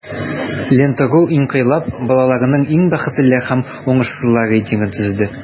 "лента.ру" инкыйлаб балаларының иң бәхетлеләр һәм уңышсызлар рейтингын төзеде.